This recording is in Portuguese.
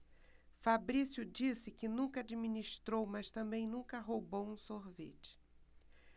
fabrício disse que nunca administrou mas também nunca roubou um sorvete